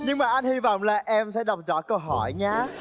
nhưng mà anh hy vọng là em sẽ đọc rõ câu hỏi nhá